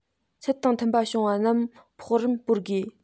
ཚད དང མཐུན པ བྱུང བ རྣམས ཕོགས རིམ སྤོར དགོས